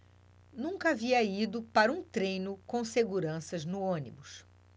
nunca havia ido para um treino com seguranças no ônibus